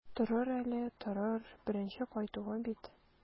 Торыр әле, торыр, беренче кайтуы бит.